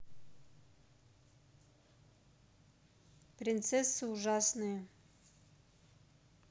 принцессы ужасные